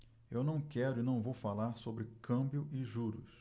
eu não quero e não vou falar sobre câmbio e juros